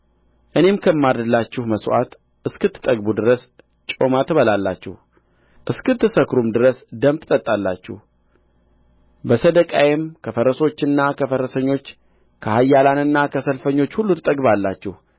እኔም ከማርድላችሁ መሥዋዕት እስክትጠግቡ ድረስ ጮማ ትበላላችሁ እስክትሰክሩም ድረስ ደም ትጠጣላችሁ በሰደቃዬም ከፈረሶችና ከፈረሰኞች ከኃያላንና ከሰልፈኞች ሁሉ ትጠግባላችሁ